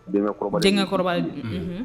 Deŋɛkɔrɔbalen de ye dutigi ye deŋɛkɔrɔbale, de unhun